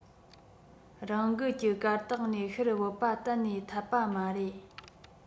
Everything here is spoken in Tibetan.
རང འགུལ ཀྱི གར སྟེགས ནས ཕྱིར བུད པ གཏན ནས འཐད པ མ རེད